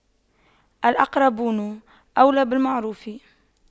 الأقربون أولى بالمعروف